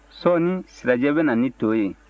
sɔɔni sirajɛ bɛ na ni to ye